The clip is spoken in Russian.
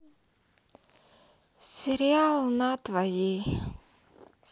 сериал на твоей